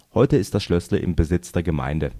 Heute ist das Schlößle im Besitz der Gemeinde